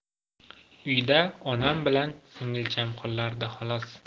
uyda onam bilan singilcham qolardi xolos